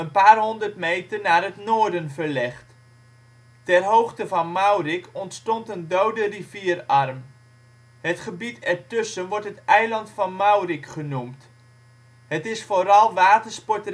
paar honderd meter naar het noorden verlegd. Ter hoogte van Maurik ontstond een dode rivierarm. Het gebied ertussen wordt het Eiland van Maurik genoemd. Het is vooral watersport recreatiegebied